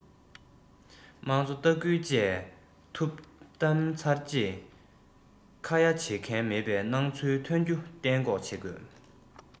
དམངས གཙོ ལྟ སྐུལ བཅས ཐུབ བདམས ཚར རྗེས ཁ ཡ བྱེད མཁན མེད པའི སྣང ཚུལ ཐོན རྒྱུ གཏན འགོག བྱེད དགོས